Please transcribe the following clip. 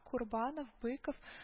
Курбанов, Быков